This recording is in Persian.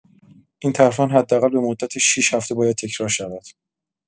این ترفند حداقل به مدت ۶ هفته باید تکرار شود.